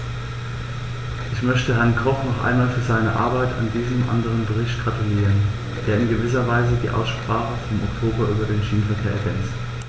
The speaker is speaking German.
Ich möchte Herrn Koch noch einmal für seine Arbeit an diesem anderen Bericht gratulieren, der in gewisser Weise die Aussprache vom Oktober über den Schienenverkehr ergänzt.